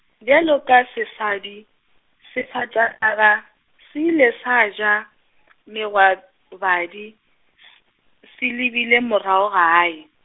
bjalo ka sesadi, sefatanaga, se ile sa ja , magwabadi , se lebile morago gae.